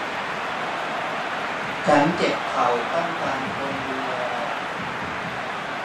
ฉันเจ็บเข่าต้องการคนดูแล